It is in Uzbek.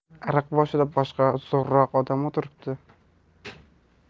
ariq boshida boshqa zo'rroq odam o'tiribdi